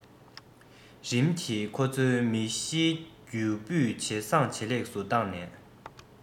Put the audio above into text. རིམ གྱིས ཁོ ཚོའི མི གཞིའི རྒྱུ སྤུས ཇེ བཟང ཇེ ལེགས སུ བཏང ནས